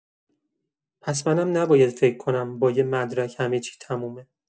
پس منم نباید فکر کنم با یه مدرک همه‌چی تمومه.